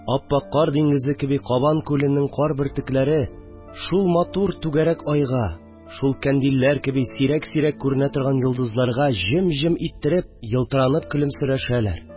Ап-ак кар диңгезе кеби кабан күленең кар бөртекләре шул матур түгәрәк айга, шул кандилләр кеби сирәк-сирәк күренә торган йолдызларга җем-җем итте реп, ялтыранып көлемсерәшәләр